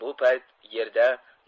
bu payt yerda